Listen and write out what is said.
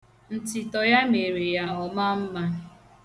Ntịtọ ya mere ya ọ maa mma.